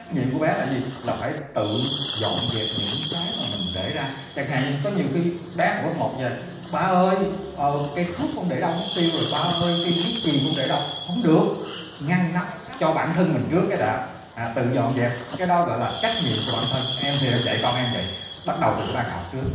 trách nhiệm của bé là gì là phải tự dọn dẹp những cái mà mình để ra chẳng hạn như có nhiều khi bé học lớp một về ba ơi ờ cái thước con để đâu mất tiêu rồi ba ơi cây viết chì con để đâu không được ngăn nắp cho bản thân mình trước cái đã đã tự dọn dẹp cái đó gọi là trách nhiệm của bản thân em thì em dạy con em vậy bắt đầu từ cái bàn học trước